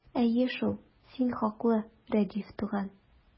Әйе шул, син хаклы, Рәдиф туган!